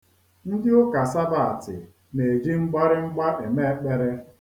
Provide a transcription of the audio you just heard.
Ndị ụka Sabati na-eji mgbarịmgba eme ekpere.